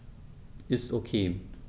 Ist OK.